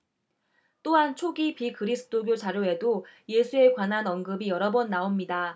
또한 초기 비그리스도교 자료에도 예수에 관한 언급이 여러 번 나옵니다